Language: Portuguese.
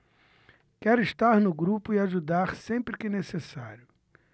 quero estar no grupo e ajudar sempre que necessário